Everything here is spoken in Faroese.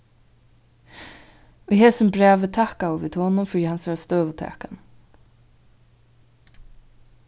í hesum brævi takkaðu vit honum fyri hansara støðutakan